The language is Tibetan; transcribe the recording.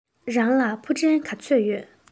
རང ལ ཕུ འདྲེན ག ཚོད ཡོད